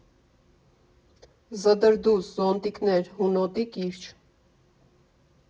Ջդրդուզ, Զոնտիկներ, Հունոտի կիրճ։